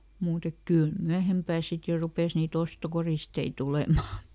mutta että kyllä myöhempää sitten jo rupesi niitä ostokoristeita tulemaan